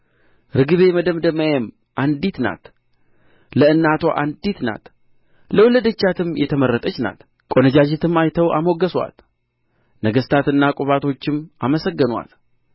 ርግቤ መደምደሚያዬም አንዲት ናት ለእናትዋ አንዲት ናት ለወለደቻትም የተመረጠች ናት ቈነጃጅትም አይተው አሞገሱአት ንግሥታትና ቍባቶችም አመሰገኑአት